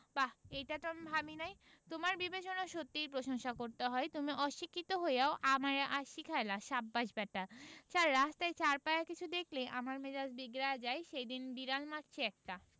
বাহ এইটা তো আমি ভাবিনাই তোমার বিবেচনার সত্যিই প্রশংসা করতে হয় তুমি অশিক্ষিতো হইয়াও আমারে আজ শিখাইলা সাব্বাস ব্যাটা ছার রাস্তায় চাইর পায়া কিছু দেখলেই আমার মেজাজ বিগড়ায়া যায় সেইদিন বিড়াল মারছি একটা